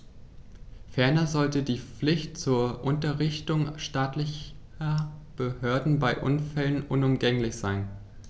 Ferner sollte die Pflicht zur Unterrichtung staatlicher Behörden bei Unfällen unumgänglich sein.